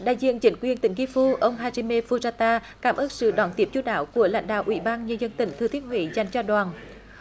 đại diện chính quyền tỉnh ky phu ông ha di mê phu da ta cảm ơn sự đón tiếp chu đáo của lãnh đạo ủy ban nhân dân tỉnh thừa thiên huế dành cho đoàn